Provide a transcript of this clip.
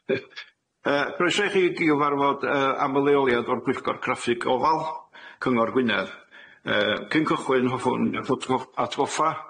Yy. Croeso i chi i gyfarfod yy am y leoliad o'r Gwyllgor Graffig Ofal Cyngor Gwynedd yy cyn cychwyn hoffwn yy ffwtgo- atgoffa'